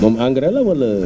moom engrais la wala